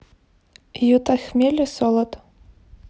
юта хмель и солод